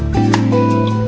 để